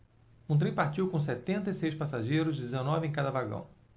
o trem partiu com setenta e seis passageiros dezenove em cada vagão